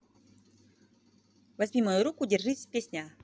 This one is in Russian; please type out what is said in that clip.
возьми мою руку держись песня